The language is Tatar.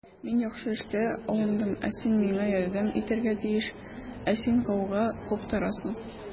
Мин яхшы эшкә алындым, син миңа ярдәм итәргә тиеш, ә син гауга куптарасың.